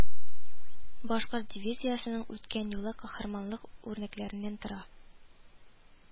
Башкорт дивизиясенең үткән юлы каһарманлык үрнәкләреннән тора